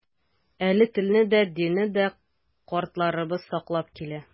Әле телне дә, динне дә картларыбыз саклап килә.